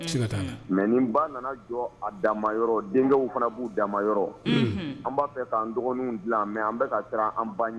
Mɛ fana b'u an b'a fɛ k'an dɔgɔnin dilan mɛ an an ba